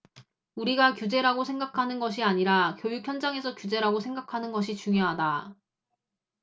우리가 규제라고 생각하는 것이 아니라 교육 현장에서 규제라고 생각하는 것이 중요하다